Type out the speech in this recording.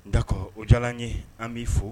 Dakɔ o diyara ye an b'i fo